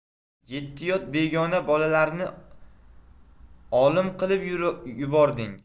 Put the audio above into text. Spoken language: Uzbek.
yetti yot begona bolalarni olim qilib yubording